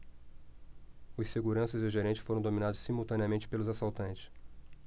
os seguranças e o gerente foram dominados simultaneamente pelos assaltantes